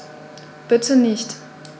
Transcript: Bitte nicht.